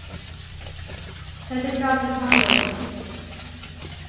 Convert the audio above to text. tað gekk væl til samrøðuna